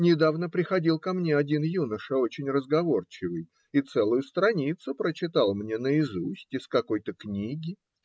Недавно приходил ко мне один юноша, очень разговорчивый, и целую страницу прочитал мне наизусть из какой-то книги.